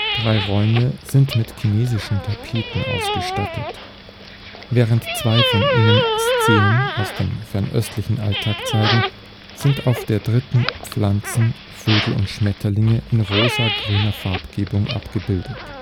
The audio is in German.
Drei Räume sind mit chinesischen Tapeten ausgestattet. Während zwei von ihnen Szenen aus dem fernöstlichen Alltag zeigen, sind auf der dritten Pflanzen, Vögel und Schmetterlinge in rosa-grüner Farbgebung abgebildet